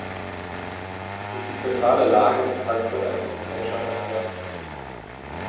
Durch die zentrale Lage ist Frankfurt ein europäischer Verkehrsknotenpunkt.